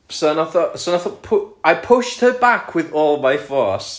so nath o... so nath o pw- "I pushed her back with all my force"